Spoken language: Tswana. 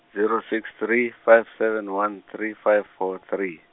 zero six three, five seven one three five four three.